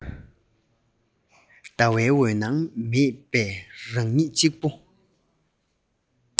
ཟླ བའི འོད སྣང མེད པས རང ཉིད གཅིག པུ